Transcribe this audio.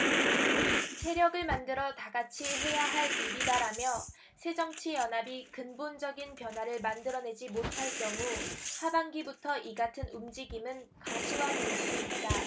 세력을 만들어 다같이 해야할 일이다라며 새정치연합이 근본적이 변화를 만들어내지 못할 경우 하반기부터 이같은 움직임은 가시화될 수 있다